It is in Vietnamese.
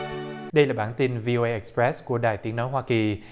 đây là bản tin vi âu ây ệch sờ pờ rét của đài tiếng nói hoa kỳ